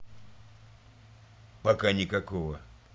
пока никакого